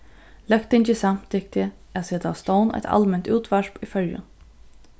løgtingið samtykti at seta á stovn eitt alment útvarp í føroyum